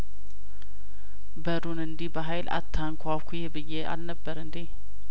በሩን እንዲህ በሀይል አታንኳኲ ብዬ አልነበር እንዴ